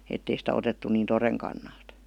että ei sitä otettu niin toden kannalta